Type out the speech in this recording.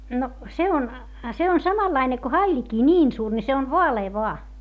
no se on se on samanlainen kuin hailikin niin suuri niin se on vaalea vain